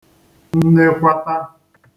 nnekwata